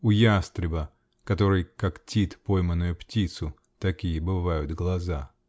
У ястреба, который когтит пойманную птицу, такие бывают глаза.